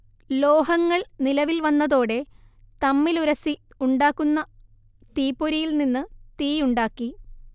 ലോഹങ്ങൾ നിലവിൽ വന്നതോടെ തമ്മിലുരസി ഉണ്ടാക്കുന്ന തീപൊരിയിൽനിന്ന് തീയുണ്ടാക്കി